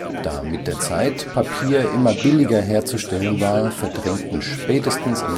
Da mit der Zeit Papier immer billiger herzustellen war, verdrängten spätestens